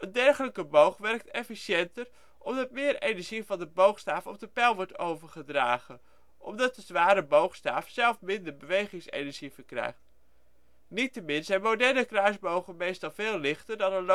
dergelijke boog werkt efficiënter omdat meer energie van de boogstaaf op de pijl overgedragen wordt, omdat de zware boogstaaf zelf minder bewegingsenergie verkrijgt. Niettemin zijn moderne kruisbogen meestal veel lichter dan